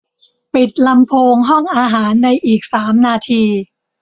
ปิดลำโพงห้องอาหารในอีกสามนาที